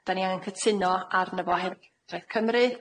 'Dan ni angen cytuno arny fo hef- Cymru.